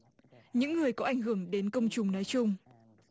những người có ảnh hưởng đến công chúng nói chung